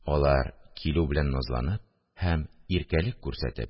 Алар, килү белән назланып һәм иркәлек күрсәтеп